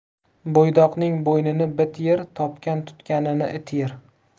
bo'ydoqning bo'ynini bit yer topgan tutganini it yer